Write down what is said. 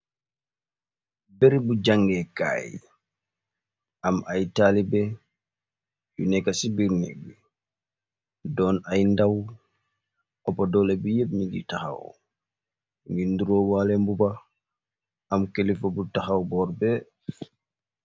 Bari bu jàngeekaay, am ay taalibe yu nekka ci biir nekk bi, doon ay ndaw, appa doole bi yépp ñi gi taxaw, ngir nduroo waale mbuba, am kelifa bu taxaw boor be.